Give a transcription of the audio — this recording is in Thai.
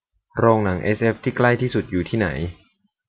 โรงหนังเอสเอฟที่ใกล้ที่สุดอยู่ที่ไหน